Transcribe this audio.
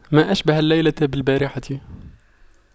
ما أشبه الليلة بالبارحة